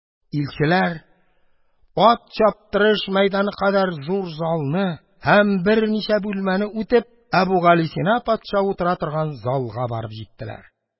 Илчеләр, ат чаптырыш мәйданы кадәр зур залны һәм берничә бүлмәне үтеп, Әбүгалисина патша утыра торган залга барып җиттеләр.